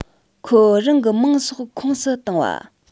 ཁོ རང གི མིང སོགས ཁོངས སུ བཏང བ